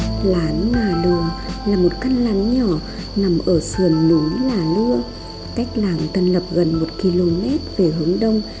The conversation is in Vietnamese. lán là nừa là một căn lán nhỏ nằm ở sườn núi là nưa cách làng tân lập gần km về hướng đông